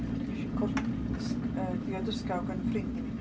Gesh i gor- yy diod ysgaw gan ffrind i mi.